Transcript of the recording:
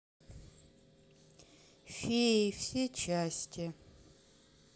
феи все части